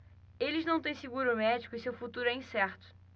eles não têm seguro médico e seu futuro é incerto